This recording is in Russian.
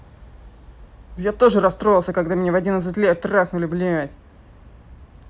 а я тоже расстроилась когда меня в одиннадцать лет трахнули блядь